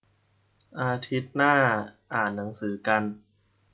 อาทิตย์หน้าอ่านหนังสือกัน